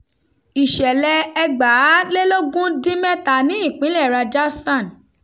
Ìṣẹ̀lẹ̀ 2017 ní ipínlẹ̀ Rajasthan.